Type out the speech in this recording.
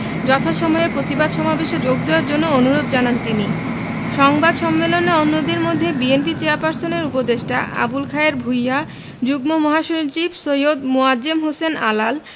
যথাসময়ে প্রতিবাদ সমাবেশে যোগ দেওয়ার জন্য অনুরোধ জানান তিনি সংবাদ সম্মেলনে অন্যদের মধ্যে বিএনপি চেয়ারপারসনের উপদেষ্টা আবুল খায়ের ভূইয়া যুগ্ম মহাসচিব সৈয়দ মোয়াজ্জেম হোসেন আলাল